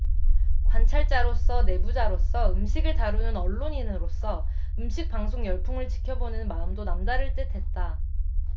관찰자로서 내부자로서 음식을 다루는 언론인으로서 음식 방송 열풍을 지켜보는 마음도 남다를 듯했다